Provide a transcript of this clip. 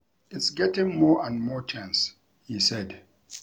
"It's getting more and more tense," he said.